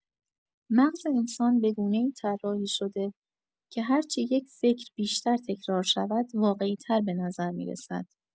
مغز انسان به‌گونه‌ای طراحی شده که هرچه یک فکر بیشتر تکرار شود، واقعی‌تر به نظر می‌رسد.